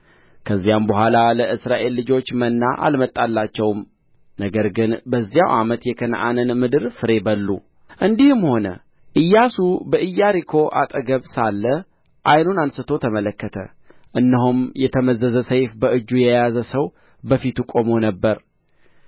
ከዚያም በኋላ ለእስራኤል ልጆች መና አልመጣላቸውም ነገር ግን በዚያው ዓመት የከነዓንን ምድር ፍሬ በሉ እንዲህም ሆነ ኢያሱ በኢያሪኮ አጠገብ ሳለ ዓይኑን አንሥቶ ተመለከተ እነሆም የተመዘዘ ሰይፍ በእጁ የያዘ ሰው በፊቱ ቆሞ ነበር